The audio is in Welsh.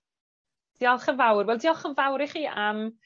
Diolch yn fawr, wel diolch yn fawr i chi am